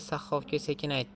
sahhofga sekin aytdi